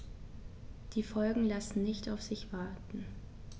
Die Folgen lassen nicht auf sich warten.